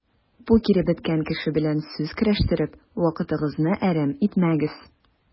Бу киребеткән кеше белән сүз көрәштереп вакытыгызны әрәм итмәгез.